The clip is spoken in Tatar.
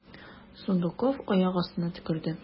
Сундуков аяк астына төкерде.